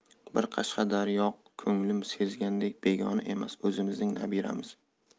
bir qarashdayoq ko'nglim sezgan begona emas o'zimizning nabiramiz